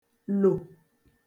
lò